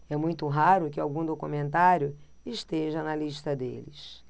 é muito raro que algum documentário esteja na lista deles